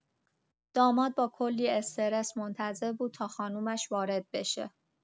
داماد با کلی استرس منتظر بود تا خانومش وارد بشه.